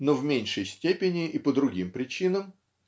но в меньшей степени и по другим причинам.